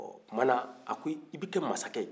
ɔ o tuma na a ko i bɛ kɛ mansakɛ ye